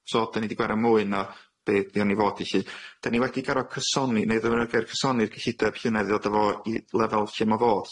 So 'den ni 'di gwario mwy na be' be' o'n i fod i lly. 'Den ni wedi gor'o' cysoni, 'na i ddefnyddio'r gair cysoni'r gyllideb llynedd i ddod â fo i lefel lle ma' fod lly.